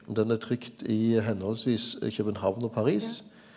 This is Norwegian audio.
den er trykt i høvesvis København og Paris.